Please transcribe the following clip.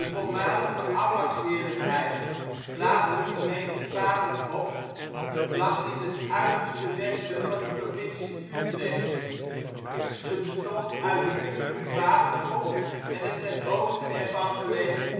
voormalige ambachtsheerlijkheid, later de gemeente Papekop lag in het uiterste westen van de provincie Utrecht. Ze bestond uit de buurten Papekop en het ten oosten ervan gelegen